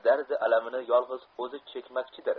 dardi alamini yolg'iz o'zi chekmakchidir